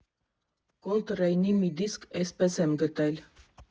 Կոլտրեյնի մի դիսկ էսպես եմ գտել.